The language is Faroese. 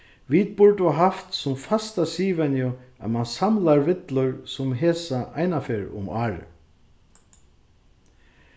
vit burdu havt sum fasta siðvenju at mann samlar villur sum hesa einaferð um árið